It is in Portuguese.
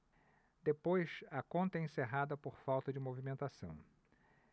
depois a conta é encerrada por falta de movimentação